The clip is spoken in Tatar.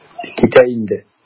Китә инде.